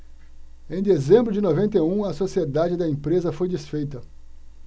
em dezembro de noventa e um a sociedade da empresa foi desfeita